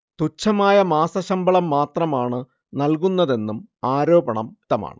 തുച്ഛമായ മാസശമ്പളം മാത്രമാണ് നൽകുന്നതെന്നും ആരോപണം ശക്തമാണ്